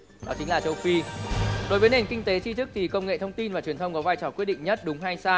đó chính là châu phi đối với nền kinh tế tri thức thì công nghệ thông tin và truyền thông có vai trò quyết định nhất đúng hay sai